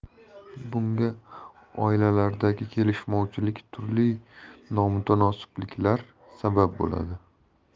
bunga oilalardagi kelishmovchilik turli nomutanosibliklar sabab bo'ladi